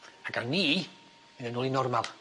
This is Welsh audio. A gawn ni myn' yn ôl i normal.